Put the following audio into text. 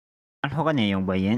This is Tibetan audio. ང ལྷོ ཁ ནས ཡོང པ ཡིན